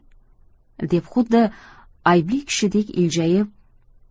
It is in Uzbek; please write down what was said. deb xuddi aybli kishidek iljayib